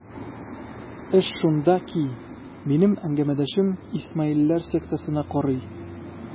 Эш шунда ки, минем әңгәмәдәшем исмаилләр сектасына карый.